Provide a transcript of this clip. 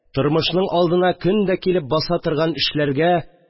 Тормышның алдына көн дә килеп баса торган эшләргә